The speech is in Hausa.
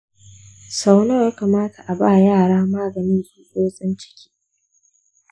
sau nawa ya kamata a ba yara maganin tsutsotsin ciki?